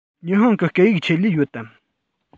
ཉི ཧོང གི སྐད ཡིག ཆེད ལས ཡོད དམ